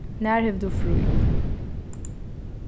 nær hevur tú frí